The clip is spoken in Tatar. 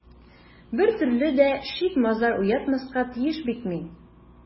Бер төрле дә шик-мазар уятмаска тиеш бит мин...